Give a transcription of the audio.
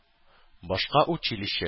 Башка училище